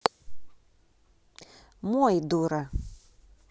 мой дура